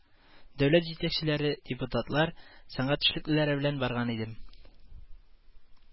Дәүләт җитәкчеләре, депутатлар, сәнгать эшлеклеләре белән барган идем